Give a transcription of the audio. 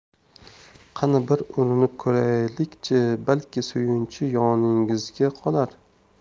qani bir urinib ko'raylikchi balki suyunchi yoningizga qolar